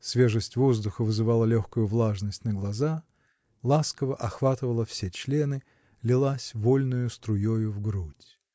свежесть воздуха вызывала легкую влажность на глаза, ласково охватывала все члены, лилась вольною струею в грудь.